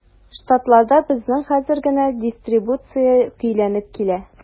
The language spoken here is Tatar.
Штатларда безнең хәзер генә дистрибуция көйләнеп килә.